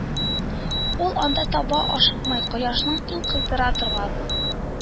Ул анда таба ашыкмый, кояшның иң кыздыра торган